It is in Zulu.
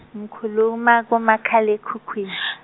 ngikhuluma kumakhalekhukhwini.